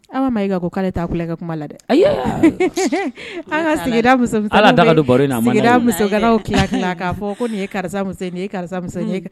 Aw ma ko k'ale takɛ kuma la dɛ ka ala daga fɔ nin ye karisa karisa